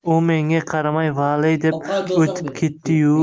u menga qaramay valey deb o'tib ketdi yu